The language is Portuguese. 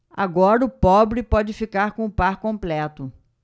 agora o pobre pode ficar com o par completo